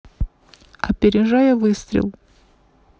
опережая выстрел